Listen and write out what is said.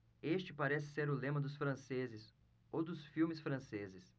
este parece ser o lema dos franceses ou dos filmes franceses